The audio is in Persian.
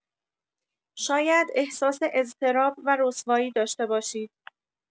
شاید احساس اضطراب و رسوایی داشته باشید.